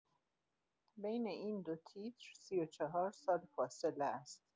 بین این دو تیتر، ۳۴ سال فاصله است؛